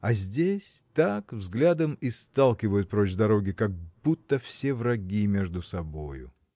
А здесь так взглядом и сталкивают прочь с дороги как будто все враги между собою.